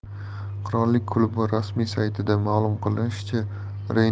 qirollik klubi rasmiy saytida ma'lum qilinishicha